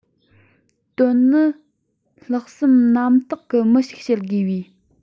དོན ནི ལྷག བསམ རྣམ དག གི མི ཞིག བྱེད དགོས པའི